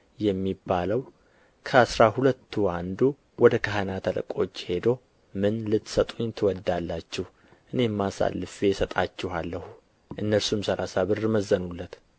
የሚባለው ከአሥራ ሁለቱ አንዱ ወደ ካህናት አለቆች ሄዶ ምን ልትሰጡኝ ትወዳላችሁ እኔም አሳልፌ እሰጣችኋለሁ እነርሱም ሠላሳ ብር መዘኑለት